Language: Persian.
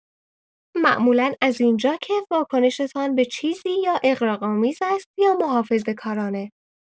معمولا از اینجا که واکنشتان به چیزی یا اغراق‌آمیزاست یا محافظه‌کارانه.